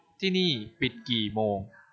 ที่นี่ปิดกี่โมง